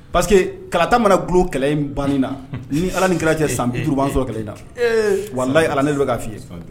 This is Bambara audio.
Parce que karatata mana du kɛlɛ in ban na ni ala ni kɛra cɛ san biuruban sɔrɔ kɛlɛ na wala ala don k'a fɔi